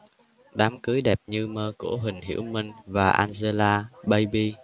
đám cưới đẹp như mơ của huỳnh hiểu minh và angela baby